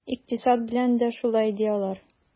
Икътисад белән дә шулай, ди алар.